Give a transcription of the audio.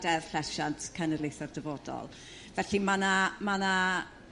deddf llesiant cenedlaethe'r dyfodol. Felly ma' 'na ma' 'na